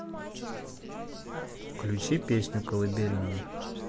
включи песню колыбельную